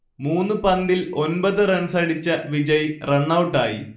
മൂന്നു പന്തിൽ ഒൻപത് റൺസടിച്ച വിജയ് റണ്ണൗട്ടായി